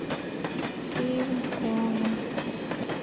фильм кома